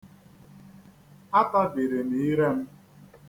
Atabiri m ire m.